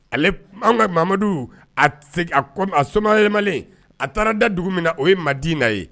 Ale an kamadu a a soma wɛrɛma a taara da dugu min na o ye madi na ye